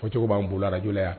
Ko cogo'an bololaj yan